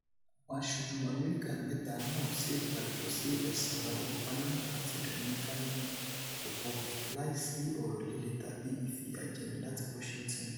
Àwọn aṣojú Amẹ́ríkà mẹ́ta náà sì padà lọ sí El Salvador, Panama àti Dominican Republic láìsí ọ̀rọ̀ líle tàbí ìfìyàjẹni láti Washington.